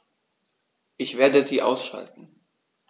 Ich werde sie ausschalten